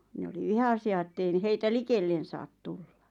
ne oli vihaisia että ei niin heitä likelle saa tulla